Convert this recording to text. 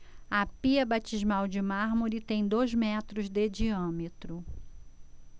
a pia batismal de mármore tem dois metros de diâmetro